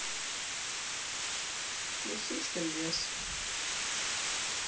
лисичкин лес